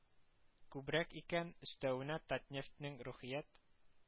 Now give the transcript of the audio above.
Күбрәк икән, өстәвенә татнефтьнең рухият